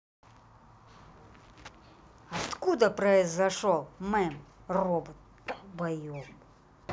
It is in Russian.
откуда произошел мем робот долбоеб